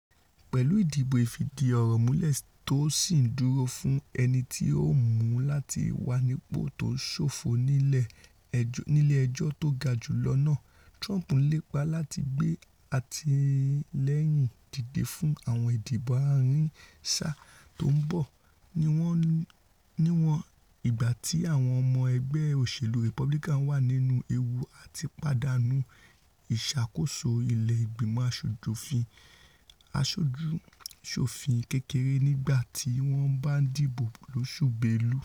Pẹ̀lú ìdìbò ìfìdíọ̀rọ̀múlẹ̀ tó sì ńdúró fún ẹnití ó mu láti wànípò tó ṣófo nílé Ejọ́ Tógajùlọ náà, Trump ńlépa láti gbé àtìlẹ́yìn dìde fún àwọn ìdìbò ààrin-sáà tó ńbọ níwọ̀n igbati àwọn ọmọ ẹgbẹ̵́ òṣèlú Republican wà nínú ewu àtipàdánù ìsàkóso ilé Ìgbìmọ̀ Aṣojú-ṣòfin kékeré nígbà tí wọ́n bá dìbò lóṣù Bélú.